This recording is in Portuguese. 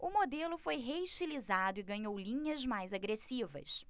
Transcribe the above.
o modelo foi reestilizado e ganhou linhas mais agressivas